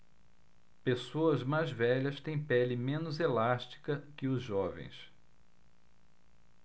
pessoas mais velhas têm pele menos elástica que os jovens